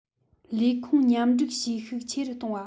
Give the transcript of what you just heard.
ལས ཁུངས མཉམ སྒྲིག བྱེད ཤུགས ཆེ རུ གཏོང བ